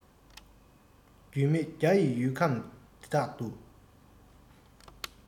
རྒྱུས མེད རྒྱ ཡི ཡུལ ཁམས འདི དག ཏུ